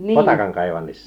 potakankaivannassa